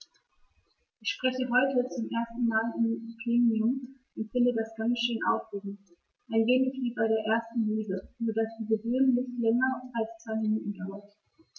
Ich spreche heute zum ersten Mal im Plenum und finde das ganz schön aufregend, ein wenig wie bei der ersten Liebe, nur dass die gewöhnlich länger als zwei Minuten dauert.